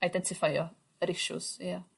eidentiffeio yr issues ia?